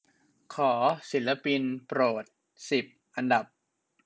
ขอศิลปินโปรดสิบอันดับ